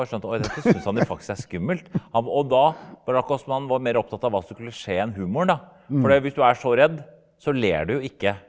jeg skjønte oi dette syns han jo faktisk er skummelt og da var det akkurat som han var mere opptatt av hva som skulle skje enn humoren da fordi hvis du er så redd så ler du jo ikke.